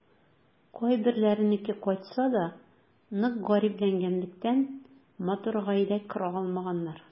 Кайберләренеке кайтса да, нык гарипләнгәнлектән, матур гаилә кора алмаганнар.